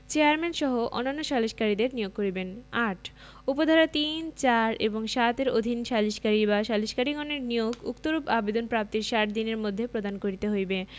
চেয়ারম্যানসহ অন্যান্য সালিসকারীদের নিয়োগ করিবেন ৮ উপ ধারা ৩ ৪ এবং ৭ এর অধীন সালিসকারী বা সালিসকারীগণের নিয়োগ উক্তরূপ আবেদন প্রাপ্তির ষাট দিনের মধ্যে প্রদান করিতে হইবে